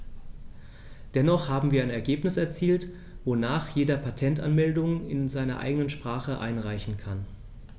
Dennoch haben wir ein Ergebnis erzielt, wonach jeder Patentanmeldungen in seiner eigenen Sprache einreichen kann.